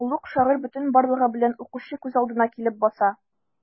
Олуг шагыйрь бөтен барлыгы белән укучы күз алдына килеп баса.